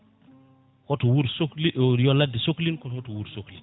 hoto wuur sohli yo ladde sohlin kono hoto wuur sohlin